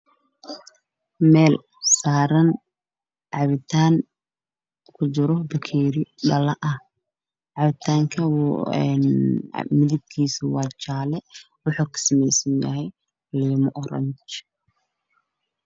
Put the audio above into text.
Meel saaran cabitaan ku juro bakeeri dhala ah cabitaan ka midab kiisu waa jaale wuxuu ka sameysan yahay liin oronji